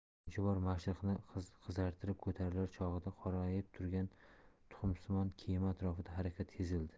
uchinchi bor mashriqni qizartirib ko'tarilar chog'ida qorayib turgan tuxumsimon kema atrofida harakat sezildi